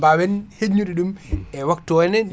mbawen yeƴnude ɗum e waktu o henna